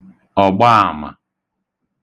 ọ̀gbaàmà